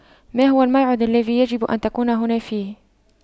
ما هو الموعد الذي يجب أن تكون هنا فيه